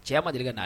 Cɛ ma deli ka na